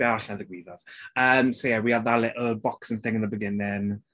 Be arall 'na ddigwyddodd? Yym so yeah we had that little boxing thing in the beginning.